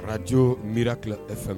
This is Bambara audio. Arajo mi tila e fɛ